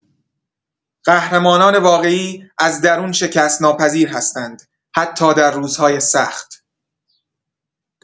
قهرمانان واقعی از درون شکست‌ناپذیر هستند، حتی در روزهای سخت.